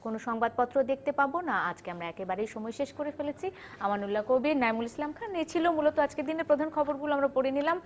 কোন সংবাদপত্র দেখতে পাবো না আজকে আমরা একেবারেই সময় শেষ করে ফেলেছি আমানুল্লাহ কবীর নাঈমুল ইসলাম খান এই ছিল মূলত আজকের দিনের প্রধান খবর গুলো আমরা পড়ে নিলাম